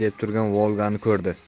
deb turgan volgani ko'rdi